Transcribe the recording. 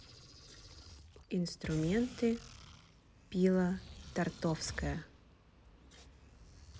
инструменты пила тартовская